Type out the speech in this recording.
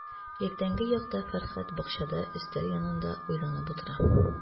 Иртәнге якта Фәрхәт бакчада өстәл янында уйланып утыра.